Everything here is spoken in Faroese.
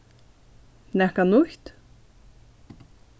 nakað nýtt